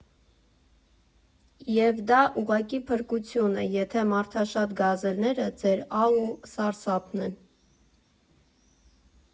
Եվ դա ուղղակի փրկություն է, եթե մարդաշատ գազելները ձեր ահ ու սարսափն են։